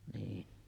niin